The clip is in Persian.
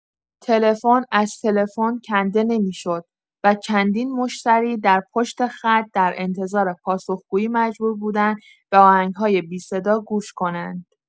تلفن از تلفن کنده نمی‌شد و چندین مشتری در پشت خط، در انتظار پاسخگویی مجبور بودند به آهنگ‌های بی‌صدا گوش کنند.